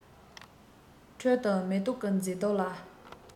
ཁྲོད དུ མེ ཏོག གི མཛེས སྡུག ལ